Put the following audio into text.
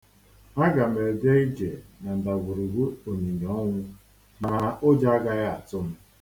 Aga m eje ije na ndagwurugwu onyinyo onwu, mana ụjọ agahị atụ m.